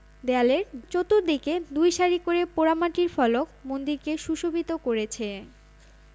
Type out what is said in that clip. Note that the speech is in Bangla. দেয়ালের চতুর্দিকে দুই সারি করে পোড়ামাটির ফলক মন্দিরকে সুশোভিত করেছে